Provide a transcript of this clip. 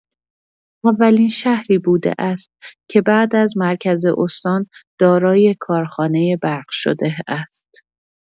اولین شهری بوده است که بعد از مرکز استان دارای کارخانه برق شده است.